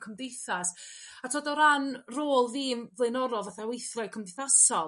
cymdeithas a t'od o ran rôl fi'n flaenorol fatha weithwraig cymdeithasol